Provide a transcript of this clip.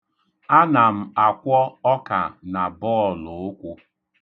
Ana m akwọ ọka na bọlụụkwụ.